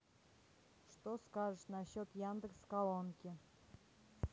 что скажешь на счет яндекс колонки